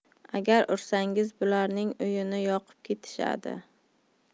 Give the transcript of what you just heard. agar ursangiz bularning uyini yoqib ketishadi